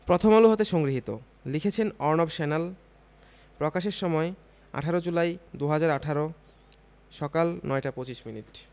প্রথম আলো হতে সংগৃহীত লিখেছেন অর্ণব স্যান্যাল প্রকাশের সময় ১৮ জুলাই ২০১৮ সকাল ৯টা ২৫ মিনিট